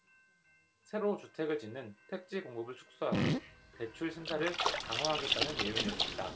새로 주택을 짓는 택지공급을 축소하고 대출 심사를 강화하겠다는 내용이었습니다